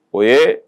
O ye